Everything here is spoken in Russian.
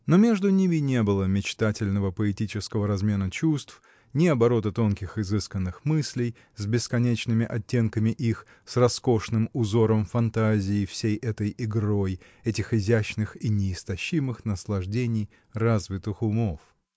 Но между ними не было мечтательного, поэтического размена чувств, ни оборота тонких, изысканных мыслей, с бесконечными оттенками их, с роскошным узором фантазии — всей этой игрой, этих изящных и неистощимых наслаждений развитых умов.